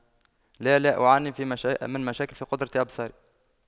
لا لا أعاني في من مشاكل في قدرة ابصاري